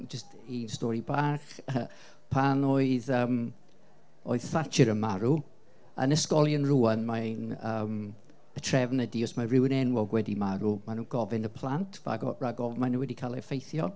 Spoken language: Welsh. Jyst un stori bach . Pan oedd yym oedd Thatcher yn marw... yn ysgolion rŵan mae'n yy... y trefn ydy, os mae rywun enwog wedi marw, maen nhw'n gofyn y plant, rag o- rag ofn, maen nhw wedi cael eu effeithio.